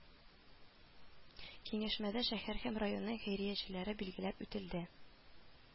Киңәшмәдә шәһәр һәм районың хәйриячеләре билгеләп үтелде